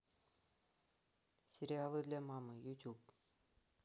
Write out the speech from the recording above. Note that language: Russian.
сериалы для мамы ютуб